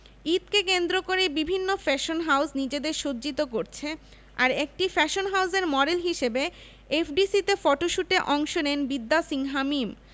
ঈদকে কেন্দ্র করে বিভিন্ন ফ্যাশন হাউজ নিজেদের সজ্জিত করছে আর একটি ফ্যাশন হাউজের মডেল হিসেবে এফডিসি তে ফটোশ্যুটে অংশ নেন বিদ্যা সিনহা মীম